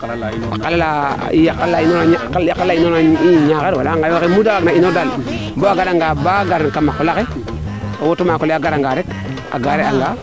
a qala qala la in no qala la inoor na Niakhar wala a Ngayokheme muute waag na inoor daal bo a ngara nga baa ngar kama qolaxe o auto maakole a gara nga rek a gaare anga